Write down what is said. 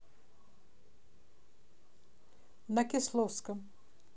на кисловском